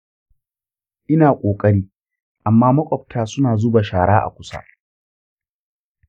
ina ƙoƙari, amma maƙwabta suna zuba shara a kusa.